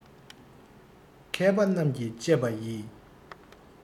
མཁས པ རྣམས ཀྱིས དཔྱད པ ཡི